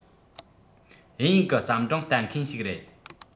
དབྱིན ཡིག གི བརྩམས སྒྲུང ལྟ མཁན ཞིག རེད